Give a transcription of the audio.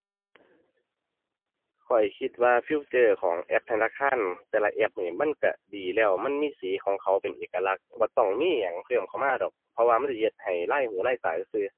ข้อยคิดว่าฟีเจอร์ของแอปธนาคารแต่ละแอปนี่มันก็ดีแล้ว มันมีสีของเขาเป็นเอกลักษณ์ บ่ต้องมีหยังเพิ่มเข้ามาดอก เพราะว่ามันสิเฮ็ดให้ลายหูลายตาซื่อซื่อ